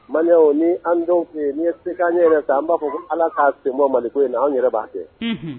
Mali ni ni ye se an ɲɛ yɛrɛ an b'a fɔ ko ala k'a sen mali ko an yɛrɛ b'a kɛ